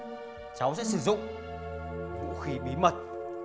cháu sẽ sử dụng vũ khí bí mật